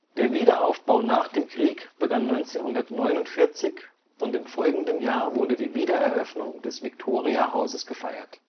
Der Wiederaufbau nach dem Krieg begann 1949 und im folgenden Jahr wurde die Wiedereröffnung des Victoria-Hauses gefeiert